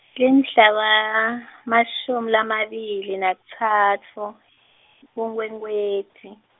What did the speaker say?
timhla wa-, mashumi lamabili nakutfatfu, kuNkhwekhweti.